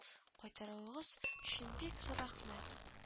Кайтартуыгыз өчен бик зур рәхмәт